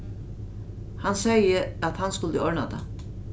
hann segði at hann skuldi orðna tað